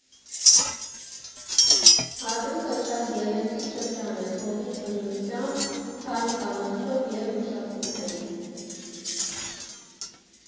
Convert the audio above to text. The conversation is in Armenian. Հադրութը շատ գեղեցիկ շրջան է, թովիչ բնությամբ, թարմ կանաչով և մշակութային։